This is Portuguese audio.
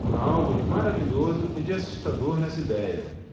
há algo de maravilhoso e de assustador nessa idéia